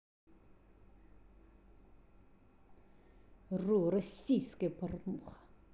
ру российская порнуха